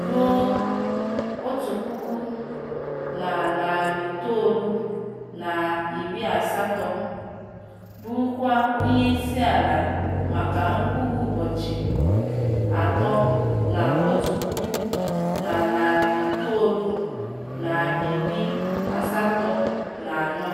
ruo 1980, bụrụkwa onyeisiala maka mkpụrụ ụbọchị atọ na 1984.